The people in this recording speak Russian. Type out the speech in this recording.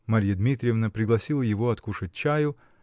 Марья Дмитриевна пригласила его откушать чаю